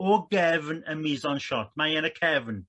o gefn y mise-en-shot mae e yn y cefn